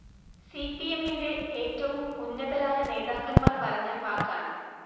C P എ മ്മിന്റെ ഏറ്റവും ഉന്നതരായ നേതാക്കന്മാർ പറഞ്ഞ വാക്കാണ്